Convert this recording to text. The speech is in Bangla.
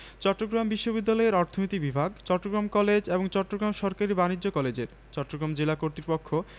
সংগৃহীত সচিত্র সন্ধানী৫ম বর্ষ ৮ম সংখ্যা ২৩ জ্যৈষ্ঠ ১৩৮৯ বঙ্গাব্দ৬ জুন